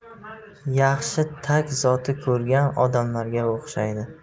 yaxshi tag zoti ko'rgan odamlarga o'xshaydi